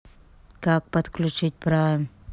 как подключить прайм